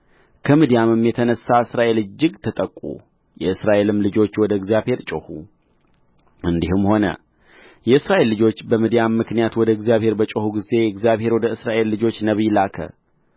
ከምድያምም የተነሣ እስራኤል እጅግ ተጠቁ የእስራኤልም ልጆች ወደ እግዚአብሔር ጮኹ እንዲህም ሆነ የእስራኤል ልጆች በምድያም ምክንያት ወደ እግዚአብሔር በጮኹ ጊዜ እግዚአብሔር ወደ እስራኤል ልጆች ነቢይ ላከ